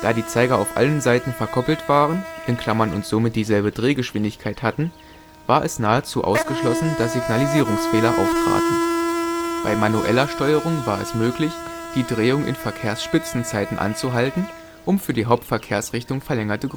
die Zeiger auf allen Seiten verkoppelt waren (und somit dieselbe Drehgeschwindigkeit hatten) war es nahezu ausgeschlossen, dass Signalisierungsfehler auftraten. Bei manueller Steuerung war es möglich, die Drehung in Verkehrsspitzenzeiten anzuhalten, um für die Hauptverkehrsrichtung verlängerte